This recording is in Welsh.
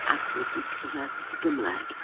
Ac wedi cyrraedd y Gymraeg.